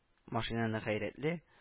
Машинаны гайрәтле